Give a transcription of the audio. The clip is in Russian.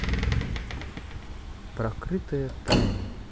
покрытая тайной